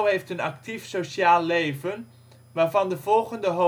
heeft een actief sociaal leven, waarvan de volgende